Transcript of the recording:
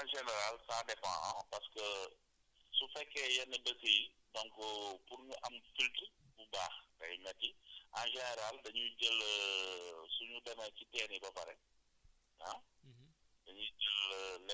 voilà traitement yi en général ça dépend parce que su fekkee yenn dëkk yi donc pour nga am filtre bu baax day métti en général dañuy jël suñu demee ci teen yi ba pare ah